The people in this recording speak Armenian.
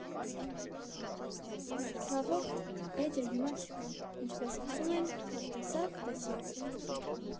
Ցավոք, էջը հիմա չկա, ինչպես ասում են՝ ով տեսավ՝ տեսավ։